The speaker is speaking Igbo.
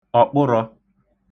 ọ̀kpụrọ̄